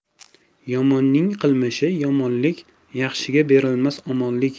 yomonning qilmishi yomonlik yaxshiga berrnas omonlik